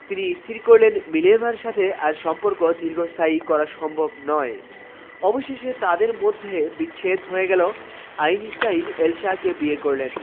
তিনি স্থির করলেন মিলে ভার সাথে আর সম্পর্ক দীর্ঘস্থায়ী করা সম্ভব নয় অবশেষে তাদের মধ্যে বিচ্ছেদ হয়ে গেল আইনস্টাইন এলসাকে বিয়ে করলেন